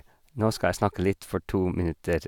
Nå skal jeg snakke litt for to minutter.